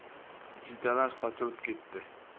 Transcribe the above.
jiydalar sochilib ketdi